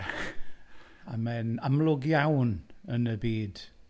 Ac mae'n amlwg iawn yn y byd...